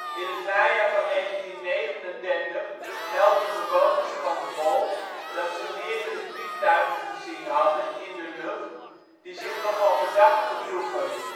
In het najaar van 1939 meldden bewoners van ' t Woold dat ze meerdere vliegtuigen gezien hadden in de lucht die zich nogal verdacht gedroegen